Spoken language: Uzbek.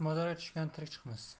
mozorga tushgan tirik chiqmas